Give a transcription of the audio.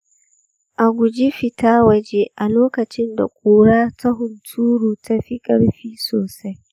a guji fita waje a lokacin da ƙura ta hunturu ta fi ƙarfi sosai.